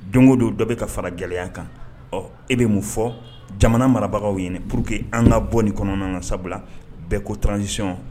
Don go don dɔ bi ka fara gɛlɛya kan . Ɔ e be mun fɔ jamana marabagaw ɲɛna pur que an ka bɔ nin kɔnɔna na sabula bɛɛ ko transition